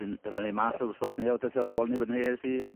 Wedyn mas am wthnos ne' wthnos ar ôl 'ny wedyn 'ny es i...